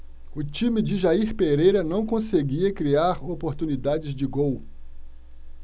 o time de jair pereira não conseguia criar oportunidades de gol